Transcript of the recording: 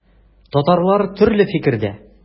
Татарлар төрле фикердә.